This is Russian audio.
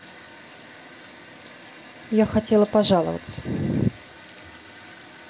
я хотела пожаловаться